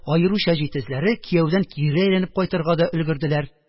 Аеруча җитезләре кияүдән кире әйләнеп кайтырга да өлгерделәр